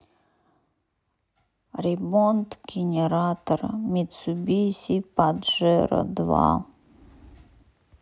ремонт генератора митсубиси паджеро два